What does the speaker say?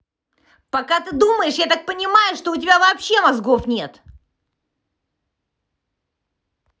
пока ты думаешь я так понимаю что у тебя вообще мозгов нет